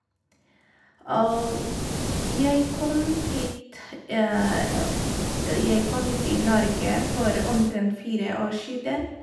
jeg kom hit Jeg kom hit i Norge for omtrent fire år siden.